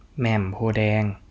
แหม่มโพธิ์แดง